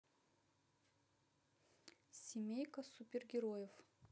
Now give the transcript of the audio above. семейка супергероев